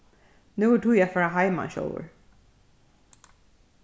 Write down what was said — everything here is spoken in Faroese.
nú er tíð at fara heim hann sjálvur